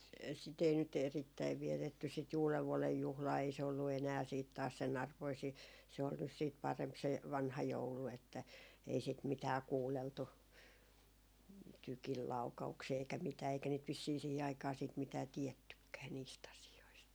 sitä ei nyt erittäin vietetty sitä uudenvuoden juhlaa ei se ollut enää sitten taas sen arvoinen siinä se oli nyt sitten parempi se vanha joulu että ei sitä mitään kuunneltu tykin laukauksia eikä mitään eikä niitä vissiin siihen aikaan sitten mitään tiedettykään niistä asioista